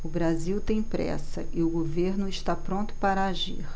o brasil tem pressa e o governo está pronto para agir